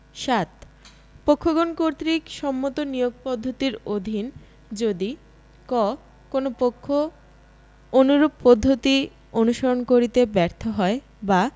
৭ পক্ষগণ কর্তৃক সম্মত নিয়োগ পদ্ধতির অধীন যদি ক কোন পক্ষ অনুরূপ পদ্ধতি অনুসরণ করিতে ব্যর্থ হয় বা